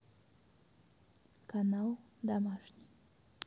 канал домашний